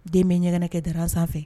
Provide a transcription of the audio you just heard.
Den bɛ ɲɛgɛnɛ kɛ drap sanfɛ.